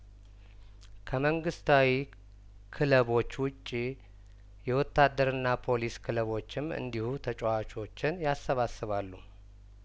ከመንግስታዊ ክለቦች ውጪ የወታደርና ፖሊስ ክለቦችም እንዲሁ ተጫዋቾችን ያሰባስባሉ